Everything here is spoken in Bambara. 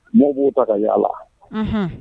Maaw b'o ta ka yalala